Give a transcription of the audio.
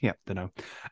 Yep, dunno.